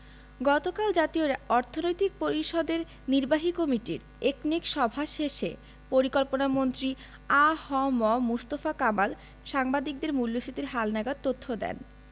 গতকাল জাতীয় অর্থনৈতিক পরিষদের নির্বাহী কমিটির একনেক সভা শেষে পরিকল্পনামন্ত্রী আ হ ম মুস্তফা কামাল সাংবাদিকদের মূল্যস্ফীতির হালনাগাদ তথ্য দেন